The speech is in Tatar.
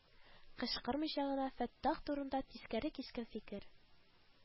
Кычкырмыйча гына фәттах турында тискәре-кискен фикер